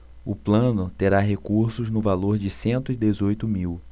o plano terá recursos no valor de cento e dezoito mil